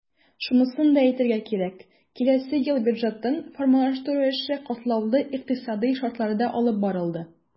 Шунысын да әйтергә кирәк, киләсе ел бюджетын формалаштыру эше катлаулы икътисадый шартларда алып барылды.